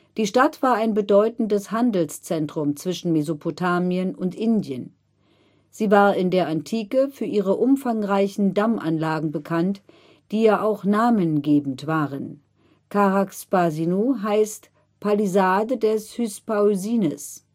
Die Stadt war ein bedeutendes Handelszentrum zwischen Mesopotamien und Indien. Sie war in der Antike für ihre umfangreichen Dammanlagen bekannt, die ja auch namengebend waren. Charax-Spasinu heißt Palisade des Hyspaosines